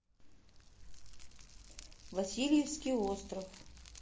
васильевский остров